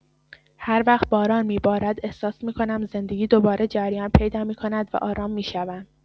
هر وقت باران می‌بارد احساس می‌کنم زندگی دوباره جریان پیدا می‌کند و آرام می‌شوم.